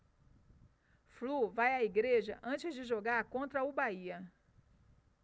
flu vai à igreja antes de jogar contra o bahia